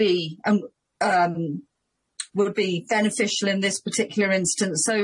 be an- um, would be beneficial in this particular instant, so